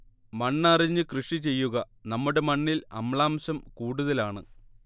മണ്ണ് അറിഞ്ഞു കൃഷി ചെയ്യുക 'നമ്മുടെ മണ്ണിൽ അമ്ലാംശം കൂടുതലാണ്'